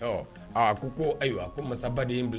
Ɔ, aa ko ko ayiwa ko masaba de ye na bila